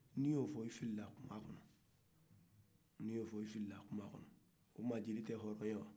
n'i y'o fɔ i filila kuma kɔnɔ n'i y'o fɔ i filila kuma kɔnɔ o tuma jeli tɛ hɔɔrɔ ye wa